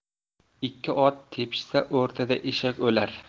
ikki ot tepishsa o'rtada eshak o'lar